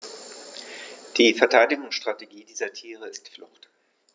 Die Verteidigungsstrategie dieser Tiere ist Flucht.